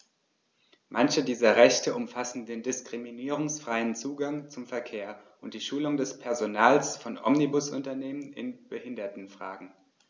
Manche dieser Rechte umfassen den diskriminierungsfreien Zugang zum Verkehr und die Schulung des Personals von Omnibusunternehmen in Behindertenfragen.